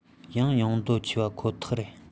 ཡང ཡོང འདོད ཆེ པ ཁོ ཐག རེད